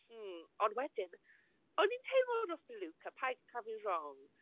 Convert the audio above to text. Hmm ond wedyn o'n i'n teimlo drosto Luca, paid cael fi'n wrong.